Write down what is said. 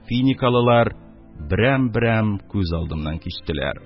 Финикалылар берәм-берәм күз алдымнан кичтеләр.